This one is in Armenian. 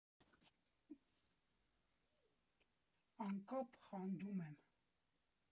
Անկապ խանդում եմ։